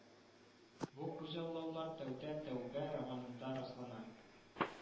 Бу күзаллаулар тәүдә Тәүбә романында раслана